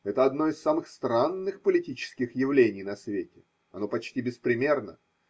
Это одно из самых странных политических явлений на свете. Оно почти беспримерно.